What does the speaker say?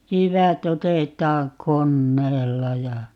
jyvät otetaan koneella ja